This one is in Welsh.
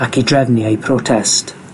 ac i drefnu eu protest.